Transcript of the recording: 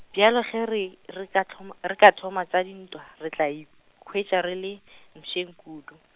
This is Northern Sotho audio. bjale ge re, re ka thoma, re ka thoma ka dintwa, re tla ikhwetša re le, mpšeng kudu.